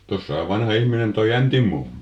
tuossa on vanha ihminen tuo Jäntin mummo